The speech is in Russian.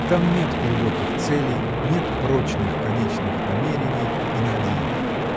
Там нет глубоких целей, нет прочных конечных намерений и надежд.